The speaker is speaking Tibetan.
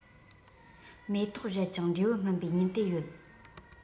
མེ ཏོག བཞད ཅིང འབྲས བུ སྨིན པའི ཉིན དེ ཡོད